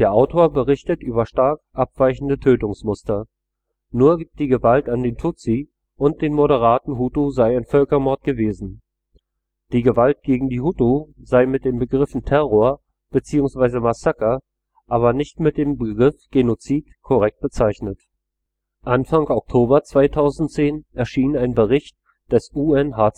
Autor berichtet über stark abweichende Tötungsmuster. Nur die Gewalt an den Tutsi und den moderaten Hutu sei ein Völkermord gewesen. Die Gewalt gegen die Hutu sei mit den Begriffen Terror beziehungsweise Massaker, nicht aber mit dem Begriff Genozid korrekt bezeichnet. Anfang Oktober 2010 erschien ein Bericht des UNHCHR. Ruanda